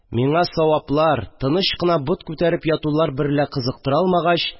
Миңа, саваплар, тыныч кына бот күтәреп ятулар берлә кызыктыра алмагач